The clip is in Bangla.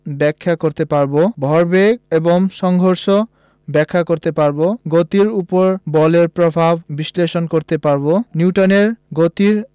ব্যাখ্যা করতে পারব ভরবেগ এবং সংঘর্ষ ব্যাখ্যা করতে পারব গতির উপর বলের প্রভাব বিশ্লেষণ করতে পারব নিউটনের গতির